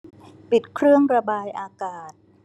ปิดเครื่องระบายอากาศ